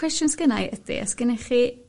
cwestiwn sgenna i ydi o's gennych chi